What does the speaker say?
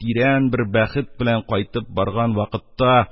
Тирән бер бәхет белән кайтып барган вакытта,